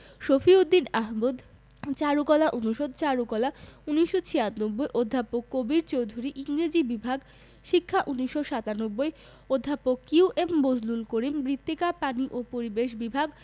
শফিউদ্দীন আহমেদ চারুকলা অনুষদ চারুকলা ১৯৯৬ অধ্যাপক কবীর চৌধুরী ইংরেজি বিভাগ শিক্ষা ১৯৯৭ অধ্যাপক A Q M Bazlul Karim মৃত্তিকা পানি ও পরিবেশ বিভাগ